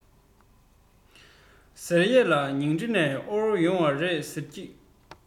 ཟེར ཡས ལ ཉིང ཁྲི ནས དབོར ཡོང བ རེད ཟེར གྱིས